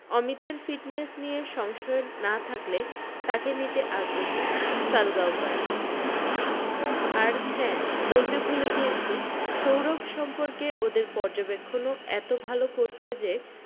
অমিতের ফিটনেস নিয়ে সংশয় না থাকলে তাঁকে নিতে আগ্রহী সালগাওকর আর হ্যাঁ বলতে ভুলে গিয়েছি সৌরভ সম্পর্কে ওদের পর্যবেক্ষণ ও এত ভাল করছে যে